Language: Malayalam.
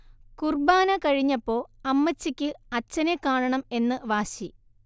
കുർബ്ബാന കഴിഞ്ഞപ്പോ അമ്മച്ചിക്ക് അച്ചനെ കാണണം എന്ന് വാശി